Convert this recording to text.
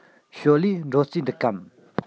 ཞའོ ལིའི འགྲོ རྩིས འདུག གམ